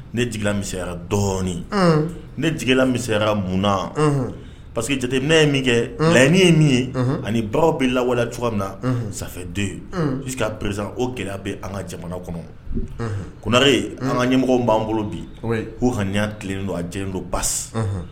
Nela miyara dɔɔnin ne jigila miyara munan pa jate ne ye min kɛ' ye min ye ani baw bɛ lawale cogo min na sanfɛ don ye kaere o gɛlɛya bɛ an ka jamana kɔnɔ ko ye an ɲɛmɔgɔ b'an bolo bi k'u ka tile don a jɛ don basi